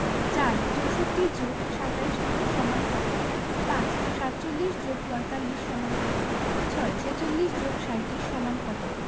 ৪ ৬৪ + ২৭ = কত ৫ ৪৭ + ৪৫ = কত ৬ ৪৬ + ৩৭ = কত